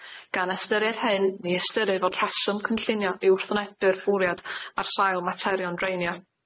Gan ystyried hyn, mi ystyrir fod rheswm cynllunio i wrthnebu'r fwriad ar sail materion dreinio.